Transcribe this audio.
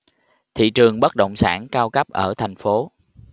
thị trường bất động sản cao cấp ở thành phố